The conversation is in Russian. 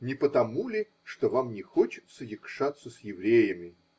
Не потому ли, что вам не хочется якшаться с евреями?